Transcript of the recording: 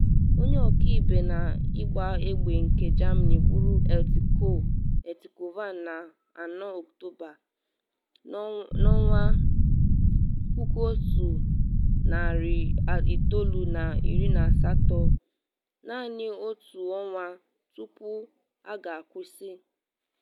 Onye ọkaibe n’ịgba egbe nke Germany gburu Lt Col Vann na 4 Oktoba 1918 - naanị otu ọnwa tupu agha akwụsị.